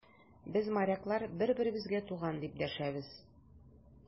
Без, моряклар, бер-беребезгә туган, дип дәшәбез.